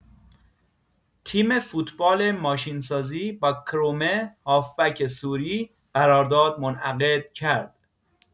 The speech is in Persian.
تیم فوتبال ماشین‌سازی با کرومه هافبک سوری قرارداد منعقد کرد.